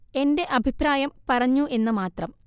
എന്റെ അഭിപ്രായം പറഞ്ഞു എന്നു മാത്രം